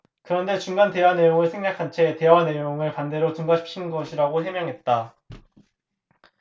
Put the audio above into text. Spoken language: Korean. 그런데 중간 대화 내용을 생략한 채 내용을 반대로 둔갑시킨 것이라고 해명했다